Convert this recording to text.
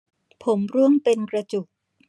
ผมร่วงเป็นกระจุก